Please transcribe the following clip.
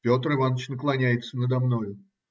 Петр Иваныч наклоняется надо мною.